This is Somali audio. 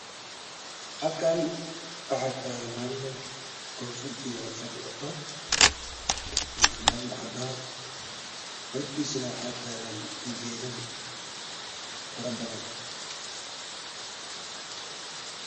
Halkaan waxa taagan Hal nin koofid iyo warqado wato iyo finaanad cadaan hortiisana waxa taagan geelal fara badan .